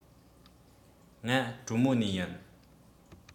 ང གྲོ མོ ནས ཡིན